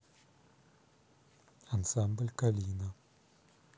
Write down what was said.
ансамбль калина